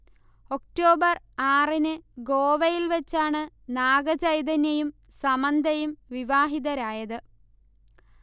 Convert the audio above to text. October ആറിന് ഗോവയിൽ വച്ചാണ് നാഗചൈതന്യയും സമന്തയും വിവാഹിതരായത്